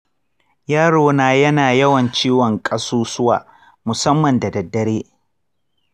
yarona yana yawan ciwon ƙasusuwa musamman da daddare.